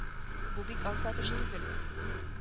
Бу бик ансат эш түгел